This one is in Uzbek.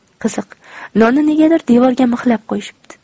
qiziq nonni negadir devorga mixlab qo'yishibdi